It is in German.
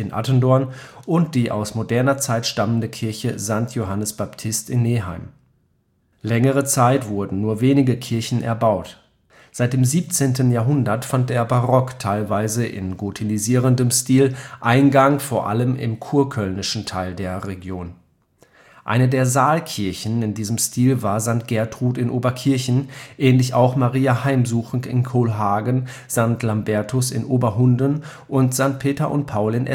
Attendorn und die aus moderner Zeit stammende Kirche St. Johannes Baptist in Neheim. Längere Zeit wurden nur wenige Kirchen erbaut. Seit dem 17. Jahrhundert fand der Barock, teilweise in gotisierendem Stil, Eingang vor allem im kölnischen Teil der Region. Eine der Saalkirchen in diesem Stil war St. Gertrud in Oberkirchen, ähnlich auch Maria Heimsuchung in Kohlhagen, St. Lambertus in Oberhundem und St. Peter und Paul in Eslohe